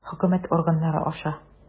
Хөкүмәт органнары аша.